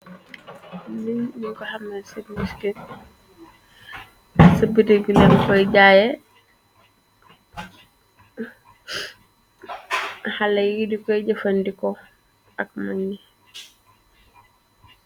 Lin ñu ko xamen cansit ca birerbu len koy jaaye xale yiidikoy jëfandiko ak mañ yi.